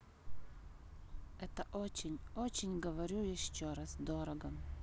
это очень очень говорю еще раз дорого